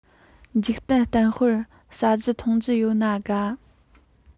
འཇིག རྟེན གཏམ དཔེར བཟའ རྒྱུ འཐུང རྒྱུ ཡོད ན དགའ